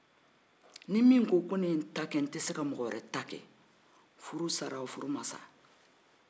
ni min ko ne ye n ta kɛ n tɛ se ka mɔgɔ wɛrɛ ta kɛ hali ni furu sara